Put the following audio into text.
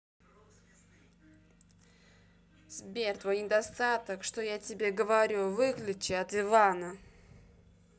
сбер твой недостаток что я тебе говорю выключи от ивана